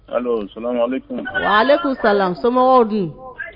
Ale kun sa somɔgɔw dun